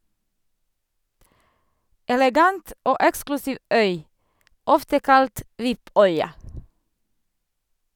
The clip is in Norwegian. Elegant og eksklusiv øy, ofte kalt "VIP-øya".